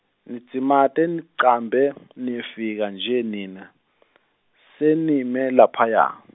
Nidzimate nicambe nayefika nje nine, senime laphaya.